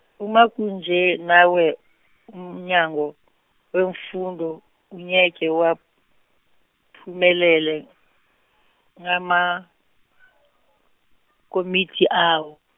uma kunje nawe, uMnyango, weMfundo, ungeke waphumelele, ngamakomiti awo.